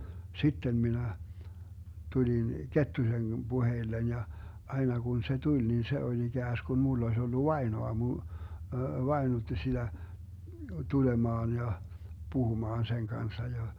sitten minä tulin Kettusen puheille ja aina kun se tuli niin se oli ikään kuin minulla olisi ollut vainoamu vainutti sitä tulemaan ja puhumaan sen kanssa ja